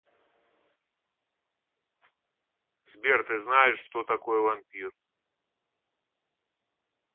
сбер ты знаешь кто такой вампир